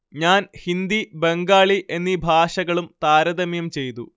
ഞാന്‍ ഹിന്ദി ബംഗാളി എന്നീ ഭാഷകളും താരതമ്യം ചെയ്തു